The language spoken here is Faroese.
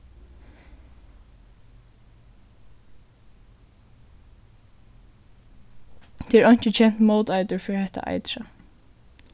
tað er einki kent móteitur fyri hetta eitrið